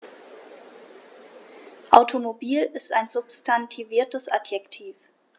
Automobil ist ein substantiviertes Adjektiv.